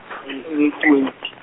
twenty.